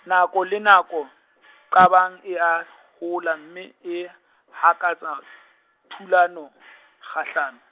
nako le nako, qabang e a, hola, mme e, hakatsa, thulano, kgahlano.